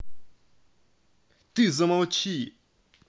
ты замолчи